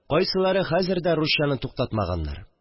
Кайсылары хәзер дә русчаны туктатмаганнар